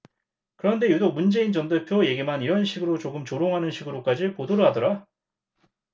그런데 유독 문재인 전 대표 얘기만 이런 식으로 조금 조롱하는 식으로까지 보도를 하더라